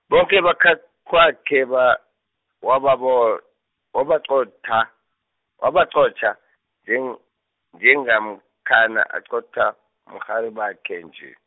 boke bekhakwakhe ba-, wababo- wabaqotha wabaqotjha, njen- njengamkhana aqotjha, umrharibakhe nje.